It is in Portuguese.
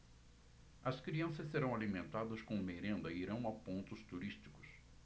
as crianças serão alimentadas com merenda e irão a pontos turísticos